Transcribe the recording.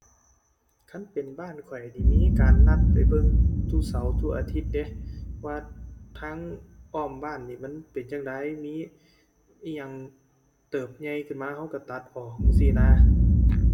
คันเป็นบ้านข้อยนี่มีการนัดไปเบิ่งทุกเสาร์ ทุกอาทิตย์เดะ ว่าทางอ้อมบ้านนี้มันเป็นจั่งใด มีอิหยังเติบใหญ่ขึ้นมา เราเราตัดออกจั่งซี้นะ